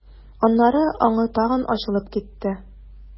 Аннары аңы тагы ачылып китте.